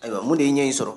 Ayiwa mun de ye ɲɛ in sɔrɔ